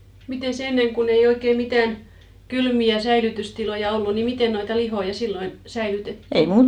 Mitenkäs ennen kun ei oikein mitään kylmiä säilytystiloja ollut niin miten noita lihoja silloin säilytettiin